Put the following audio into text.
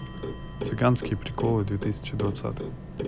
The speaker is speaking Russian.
цыганские приколы две тысячи двадцатый